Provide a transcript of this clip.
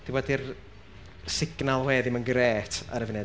Dwi gwbod di'r signal we ddim yn grêt ar y funud.